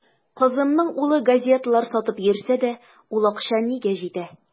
Кызымның улы газеталар сатып йөрсә дә, ул акча нигә җитә.